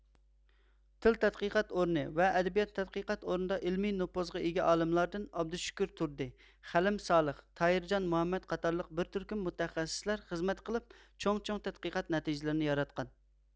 تىل تەتقىقات ئورنى ۋە ئەدەبىيات تەتقىقات ئورنىدا ئىلمىي نوپۇزغا ئىگە ئالىملاردىن ئابدۇشۈكۈر تۇردى خەلىم سالىخ تاھىرجان مۇھەممەد قاتارلىق بىر تۈركۈم مۇتەخەسسىسلەر خىزمەت قىلىپ چوڭ چوڭ تەتقىقات نەتىجىلىرىنى ياراتقان